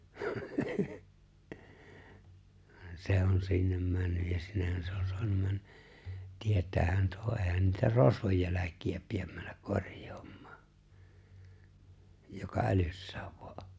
vaan se on sinne mennyt ja sinnehän se on saanut mennä tietäähän tuo eihän niitä rosvojen jälkiä pidä mennä korjaamaan joka älyssään vain on